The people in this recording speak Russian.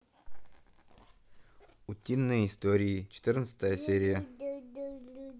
утиные истории четырнадцатая серия